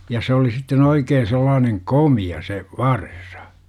ja se oli sitten oikein sellainen komea se varsa